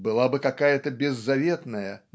была бы какая-то беззаветная